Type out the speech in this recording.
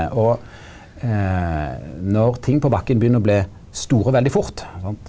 og når ting på bakken begynner å bli store veldig fort sant.